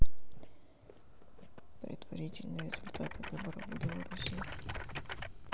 предварительные результаты выборов в белоруссии